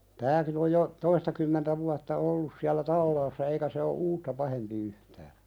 tämäkin on jo toistakymmentä vuotta ollut siellä talaassa eikä se ole uutta pahempi yhtään